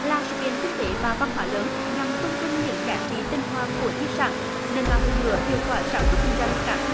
là sự kiện kinh tế và văn hóa lớn nhằm tôn vinh những giá trị tinh hoa của di sản nâng cao hơn nữa hiệu quả sản xuất kinh doanh các